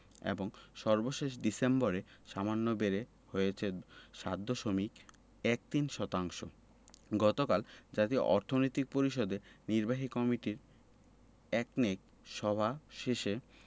এবং সর্বশেষ ডিসেম্বরে সামান্য বেড়ে হয়েছে ৭ দশমিক ১৩ শতাংশ গতকাল জাতীয় অর্থনৈতিক পরিষদের নির্বাহী কমিটির একনেক সভা শেষে